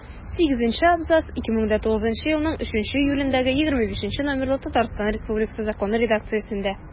Сигезенче абзац 2009 елның 3 июлендәге 25-ТРЗ номерлы Татарстан Республикасы Законы редакциясендә.